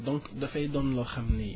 donc dafay doon loo xam ni